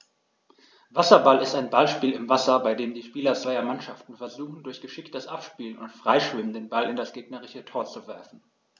Wasserball ist ein Ballspiel im Wasser, bei dem die Spieler zweier Mannschaften versuchen, durch geschicktes Abspielen und Freischwimmen den Ball in das gegnerische Tor zu werfen.